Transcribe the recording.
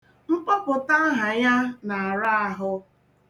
Mkpọpụta aha ya na-ara ahụ.